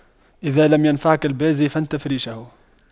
إذا لم ينفعك البازي فانتف ريشه